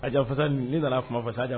A janfasa ne nana kuma fasa jan